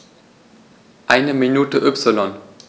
Eine Minute Y